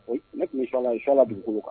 Ne tun bɛ sa la i'la dugukolo kan